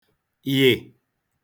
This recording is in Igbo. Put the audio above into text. yị̀